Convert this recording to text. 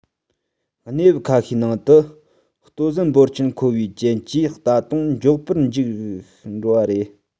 གནས བབ ཁ ཤས ནང དུ ལྟོ ཟན འབོར ཆེན མཁོ བའི རྐྱེན གྱིས ད དུང མགྱོགས པོར འཇིག འགྲོ བ རེད